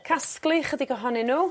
casglu chydig ohonyn n'w